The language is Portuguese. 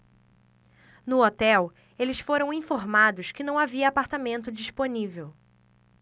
no hotel eles foram informados que não havia apartamento disponível